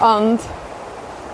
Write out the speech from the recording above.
Ond,